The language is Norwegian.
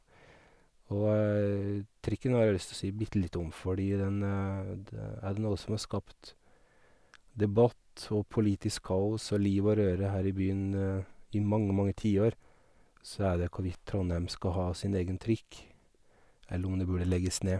Og trikken har jeg lyst å si bitte litt om, fordi den de er det noe som har skapt debatt og politisk kaos og liv og røre her i byen i mange, mange tiår, så er det hvorvidt Trondheim skal ha sin egen trikk, eller om det burde legges ned.